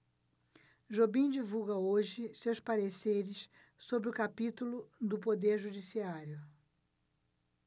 jobim divulga hoje seus pareceres sobre o capítulo do poder judiciário